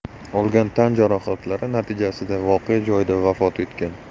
olgan tan jarohatlari natijasida voqea joyida vafot etgan